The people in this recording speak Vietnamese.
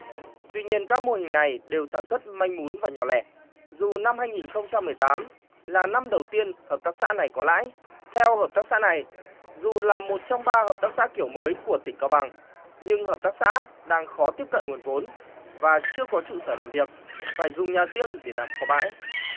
tuy nhiên các mô hình này đều sản xuất manh mún và nhỏ lẻ dù năm hai nghìn không trăm mười tám là năm đầu tiên hợp tác xã này có lãi theo hợp tác xã này dù là một trong ba hợp tác xã kiểu mới của tỉnh cao bằng nhưng hợp tác xã đang khó tiếp cận nguồn vốn và chưa có trụ sở làm việc phải dùng nhà riêng để làm kho bãi